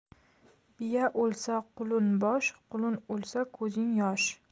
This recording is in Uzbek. biya o'lsa qulun bosh qulun o'lsa ko'zing yosh